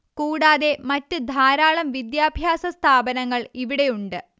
കൂടാതെ മറ്റ് ധാരാളം വിദ്യാഭ്യാസ സ്ഥാപനങ്ങൾ ഇവിടെയുണ്ട്